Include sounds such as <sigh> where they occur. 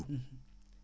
<hesitation> <hesitation>